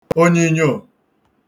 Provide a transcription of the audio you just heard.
ònyìnyò